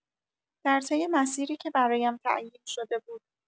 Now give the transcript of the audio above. در طی مسیری که برایم تعیین شده بود